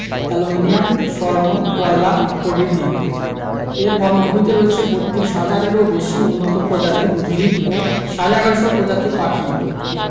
aluminium স্বর্ণ কয়লা প্রভৃতি এর বনভূমিতে রয়েছে ৩২ হাজারেরও বেশি উন্নত প্রজাতির উদ্ভিত ও সাড়ে ১১শ প্রজাতির পাখি